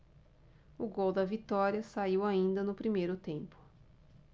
o gol da vitória saiu ainda no primeiro tempo